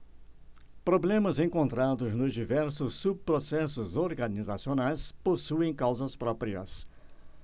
problemas encontrados nos diversos subprocessos organizacionais possuem causas próprias